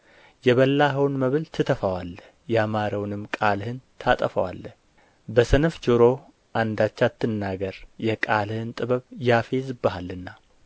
የበላኸውን መብል ትተፋዋለህ ያማረውንም ቃልህን ታጠፋዋለህ በሰነፍ ጆሮ አንዳች አትናገር የቃልህን ጥበብ ያፌዝብሃልና